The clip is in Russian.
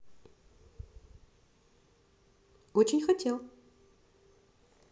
очень хотел